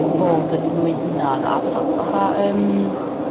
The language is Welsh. fod yn n'w eu hunan a fatha fatha yym...